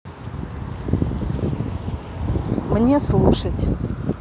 мне слушать